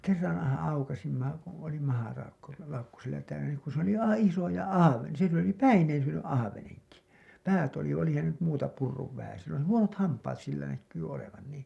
kerranhan aukaisimme kun oli - mahalaukku sillä täynnä niin kun se oli aivan isoja ahvenia sillä oli päineen syönyt ahvenenkin päät oli olihan se nyt muuta purrut vähäisen sillä oli huonot hampaat sillä näkyi olevan niin